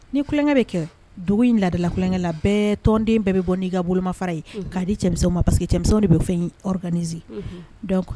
Ni tulonkɛ bɛ kɛ, dugu in ladala kulankɛ la, tɔnden bɛɛ bɛ bɔ n'i ka bolomafaraa ye k'a di cɛmisɛniv ma parce que cɛmisɛn de bɛ fɛn in organiser _ donc _